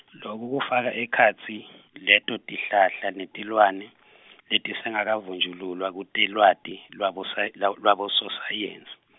loku kufaka ekhatsi, leto tihlahla netilwane , letisengakavunjululwa kutelwati, lwabosay- lwa- lwabososayensi.